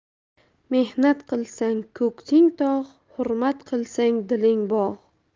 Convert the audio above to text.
mehnat qilsang ko'ksing tog' hurmat qilsang diling bog'